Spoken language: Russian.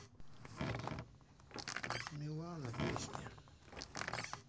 милана песни